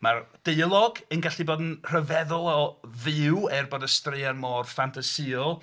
Mae'r deialog yn gallu bod yn rhyfeddol o fyw, er bod y straeon mor ffantasïol.